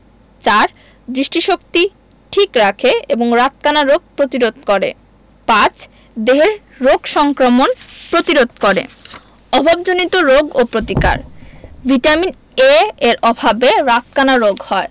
৪. দৃষ্টিশক্তি ঠিক রাখে এবং রাতকানা রোগ প্রতিরোধ করে ৫. দেহে রোগ সংক্রমণ প্রতিরোধ করে অভাবজনিত রোগ ও প্রতিকার ভিটামিন A এর অভাবে রাতকানা রোগ হয়